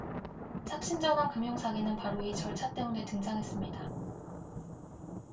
착신전환 금융사기는 바로 이 절차 때문에 등장했습니다